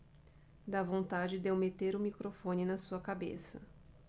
dá vontade de eu meter o microfone na sua cabeça